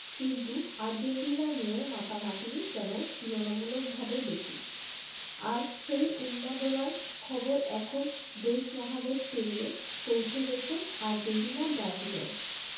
কিন্তু আর্জেন্টিনা নিয়ে মাতামাতিই যেন তুলনামূলকভাবে বেশি আর সেই উন্মাদনার খবর এখন দেশ মহাদেশ পেরিয়ে পৌঁছে গেছে আর্জেন্টিনা ব্রাজিলেও